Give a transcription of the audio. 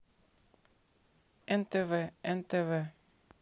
нтв нтв